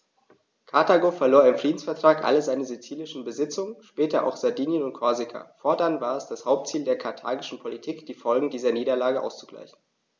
Karthago verlor im Friedensvertrag alle seine sizilischen Besitzungen (später auch Sardinien und Korsika); fortan war es das Hauptziel der karthagischen Politik, die Folgen dieser Niederlage auszugleichen.